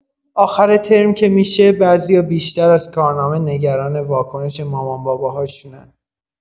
آخر ترم که می‌شه، بعضیا بیشتر از کارنامه نگران واکنش مامان‌باباهاشونن!